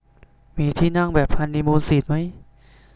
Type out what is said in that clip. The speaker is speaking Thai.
มีที่นั่งแบบฮันนี่มูนซีทมั้ย